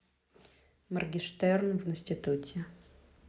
моргенштерн в институте